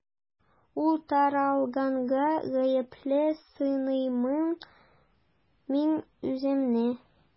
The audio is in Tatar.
Ул таралганга гаепле саныймын мин үземне.